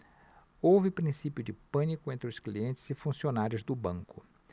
houve princípio de pânico entre os clientes e funcionários do banco